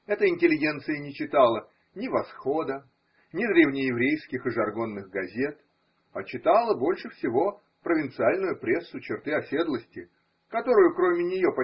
Эта интеллигенция не читала ни Восхода, ни древнееврейских и жаргонных газет, а читала больше всего провинциальную прессу черты оседлости – которую, кроме нее.